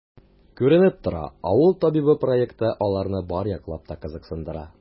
Күренеп тора,“Авыл табибы” проекты аларны барлык яклап та кызыксындыра.